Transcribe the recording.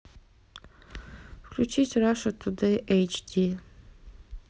включить раша тудей эйч ди